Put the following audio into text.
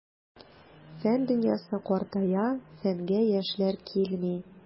Фән дөньясы картая, фәнгә яшьләр килми.